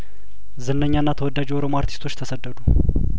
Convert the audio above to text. ዝነኛና ተወዳጅ የኦሮሞ አርቲስቶች ተሰደዱ